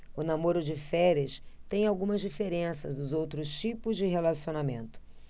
o namoro de férias tem algumas diferenças dos outros tipos de relacionamento